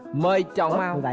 mời chọn màu